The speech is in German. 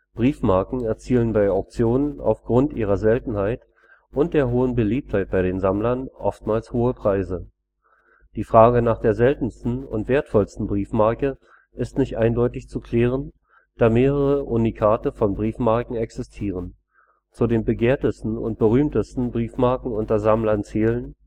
Briefmarken erzielen bei Auktionen auf Grund ihrer Seltenheit und der hohen Beliebtheit bei den Sammlern oftmals hohe Preise. Die Frage nach der seltensten und wertvollsten Briefmarke ist nicht eindeutig zu klären, da mehrere Unikate von Briefmarken existieren. Zu den begehrtesten und berühmtesten Briefmarken unter Sammlern zählen